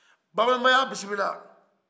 babemba ye a bisimila